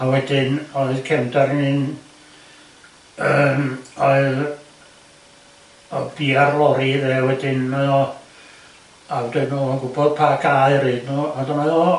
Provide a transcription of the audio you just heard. A wedyn oedd cefndar i mi'n yym oedd o'dd bia'r lori de? Wedyn mae o... a wedyn o'dd o'n gwbod pa gae i roid n'w a dyna oedd o... Ia.